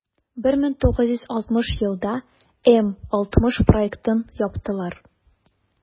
1960 елда м-60 проектын яптылар.